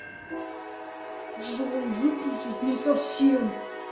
джой выключить на совсем